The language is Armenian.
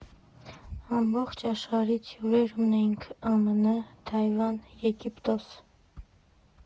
Ամբողջ աշխարհից հյուրեր ունեինք՝ ԱՄՆ, Թայվան, Եգիպտոս։